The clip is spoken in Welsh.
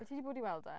Wyt ti 'di bod i weld e?